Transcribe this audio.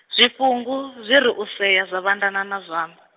zwifhungu zwiri u sea zwa vhanda na na zwanḓa.